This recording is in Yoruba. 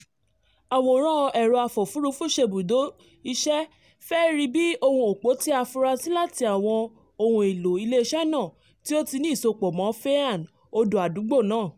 Àwòrán ẹ̀rọ afòfurufúṣèbùdò-iṣẹ́ fẹ́ rí bíi ohun òpó tí a furasí láti àwọn ohun-èlò ilé-iṣẹ́ náà tí ó ti ní ìsopọ̀ mọ́ Feeane, odò àdúgbò náà.